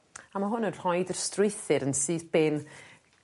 A ma' hwn yn rhoid yr strwythur yn syth bin.